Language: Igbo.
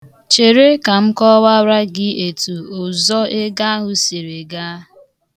Chere ka m kọwara gị etụ ụzọ ego ahụ siri gaa.